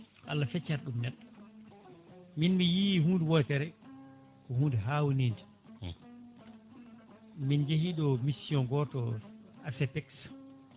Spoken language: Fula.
ko Allah feccata ɗu neɗɗo min mi yii hunde wotere ko hunde hawnide min jeeyi ɗo mission goto ACTECS